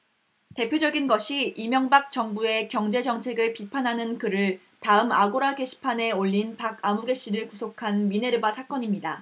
대표적인 것이 이명박 정부의 경제정책을 비판하는 글을 다음 아고라 게시판에 올린 박아무개씨를 구속한 미네르바 사건입니다